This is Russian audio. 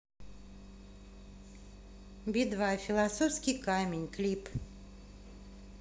би два философский камень клип